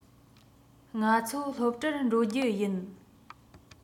ང ཚོ སློབ གྲྭར འགྲོ རྒྱུ ཡིན